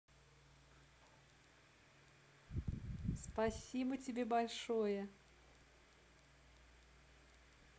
спасибо тебе большое